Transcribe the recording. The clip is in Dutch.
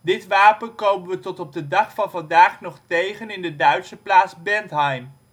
Dit wapen komen we tot op de dag van vandaag nog tegen in de Duitse plaats Bentheim